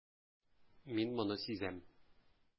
Мин моны сизәм.